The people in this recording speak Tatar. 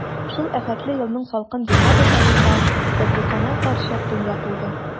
Шул афәтле елның салкын декабрь аенда Бәдрикамал карчык дөнья куйды.